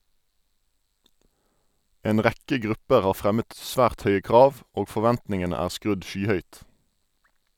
En rekke grupper har fremmet svært høye krav, og forventningene er skrudd skyhøyt.